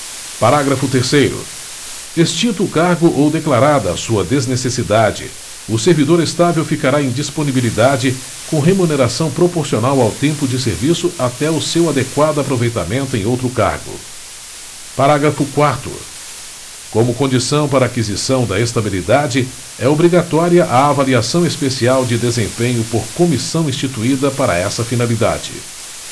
parágrafo terceiro extinto o cargo ou declarada a sua desnecessidade o servidor estável ficará em disponibilidade com remuneração proporcional ao tempo de serviço até o seu adequado aproveitamento em outro cargo parágrafo quarto como condição para a aquisição da estabilidade é obrigatória a avaliação especial de desempenho por comissão instituída para essa finalidade